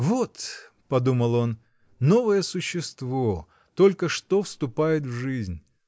"Вот, -- подумал он, -- новое существо только что вступает в жизнь.